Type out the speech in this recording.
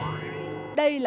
đây